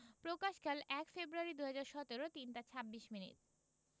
প্রকাশকালঃ ১ February ২০১৭ ৩টা ২৬ minute